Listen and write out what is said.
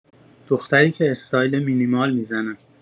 دختری که استایل مینیمال می‌زنه